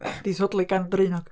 disodli gan ddraenog.